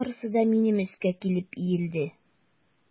Барысы да минем өскә килеп иелде.